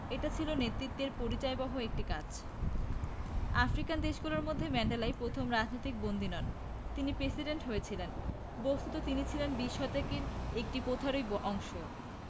এটা ছিল নেতৃত্বের পরিচয়বহ একটি কাজ আফ্রিকান দেশগুলোর মধ্যে ম্যান্ডেলাই প্রথম রাজনৈতিক বন্দী নন যিনি প্রেসিডেন্ট হয়েছিলেন বস্তুত তিনি ছিলেন বিশ শতকের একটি প্রথারই অংশ